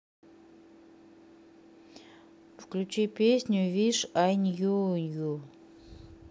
включи песню виш ай нью ю